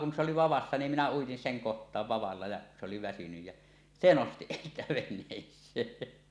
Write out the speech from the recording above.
kun ne oli vavassa niin minä uitin sen kohtaan vavalla ja se oli väsynyt ja se nosti siitä veneeseen